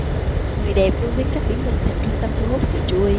người đẹp luôn biết cách biến mình thành trung tâm thu hút sự chú ý